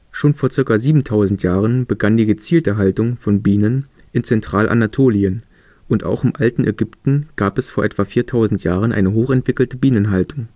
Schon vor ca. 7000 Jahren begann die gezielte Haltung von Bienen in Zentralanatolien, und auch im Alten Ägypten gab es vor etwa 4000 Jahren eine hochentwickelte Bienenhaltung